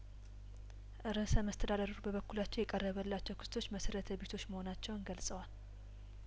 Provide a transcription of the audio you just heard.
እርሰ መስተዳድሩ በበኩላቸው የቀረበላቸው ክሶች መሰረተ ቢሶች መሆናቸውን ገልጸዋል